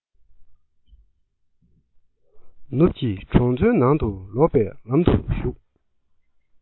ནུབ ཀྱི གྲོང ཚོའི ནང དུ ལོག པའི ལམ དུ ཞུགས